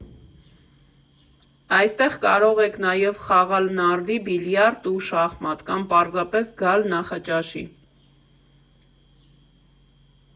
Այստեղ կարող եք նաև խաղալ նարդի, բիլիարդ ու շախմատ կամ պարզապես գալ նախաճաշի.